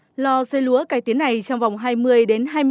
lò sấy lúa cải tiến này trong vòng hai mươi đến hai